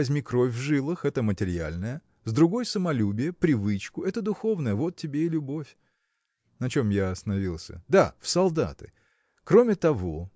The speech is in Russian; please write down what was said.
возьми кровь в жилах – это материальное с другой – самолюбие привычку – это духовное вот тебе и любовь! На чем я остановился. да! в солдаты кроме того